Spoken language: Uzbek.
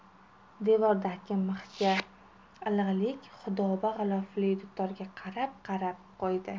devordagi mixga ilig'lik duxoba g'ilofli dutorga qarab qarab qo'ydi